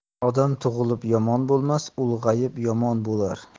odam tug'ilib yomon bo'lmas ulg'ayib yomon bo'lar